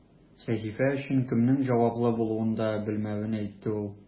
Сәхифә өчен кемнең җаваплы булуын да белмәвен әйтте ул.